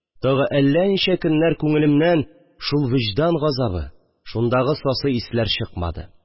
Тагы әллә ничә көннәр күңелемнән шул вөҗдан газабы, шундагы сасы исләр чыкмады